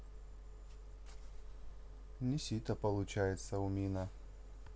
не сито получается умина